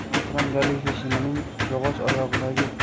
nosrang galife shimining yog'och oyog'idagi